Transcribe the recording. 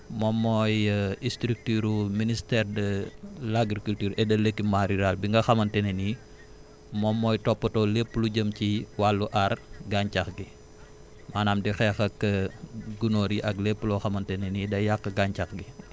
moom mooy structure ministère de l' agriculture et de l' équipement rural bi nga xamante ne ni moom mooy toppatoo lépp lu jëm ci wàllu aar gàncax gi maanaam di xeex ak gunóor yi ak lépp loo xamante ne ni day yàq gàncax gi